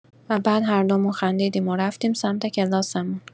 و بعد هردومون خندیدیم و رفتیم سمت کلاسمون.